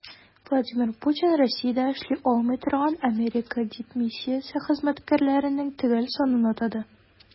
Владимир Путин Россиядә эшли алмый торган Америка дипмиссиясе хезмәткәрләренең төгәл санын атады.